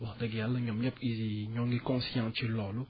wax dëgg Yàlla ñoom ñépp ils y ñoo ngi conscients ci loolu